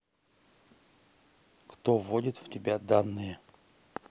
кто вводит в тебя данные